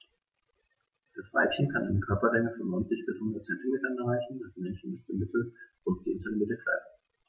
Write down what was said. Das Weibchen kann eine Körperlänge von 90-100 cm erreichen; das Männchen ist im Mittel rund 10 cm kleiner.